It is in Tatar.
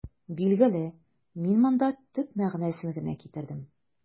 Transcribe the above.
Билгеле, мин монда төп мәгънәсен генә китердем.